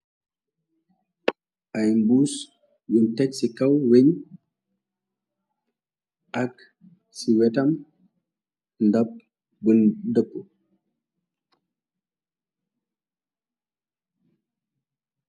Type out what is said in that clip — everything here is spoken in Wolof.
Ay mbuus yun tej ci kaw weñ ak ci wetam ndapp bun dëkpu.